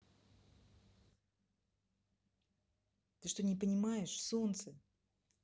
что ты не понимаешь солнце